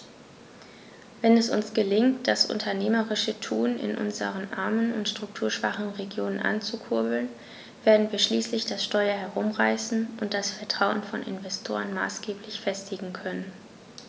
Wenn es uns gelingt, das unternehmerische Tun in unseren armen und strukturschwachen Regionen anzukurbeln, werden wir schließlich das Steuer herumreißen und das Vertrauen von Investoren maßgeblich festigen können.